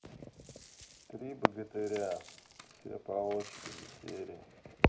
три богатыря все по очереди серии